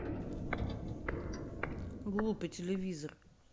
глупый телевизор